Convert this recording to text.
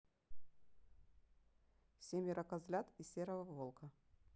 семеро козлят и серого волка